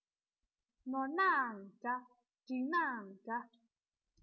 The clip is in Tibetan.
ནོར ནའང འདྲ འགྲིག ནའང འདྲ